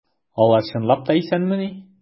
Алар чынлап та исәнмени?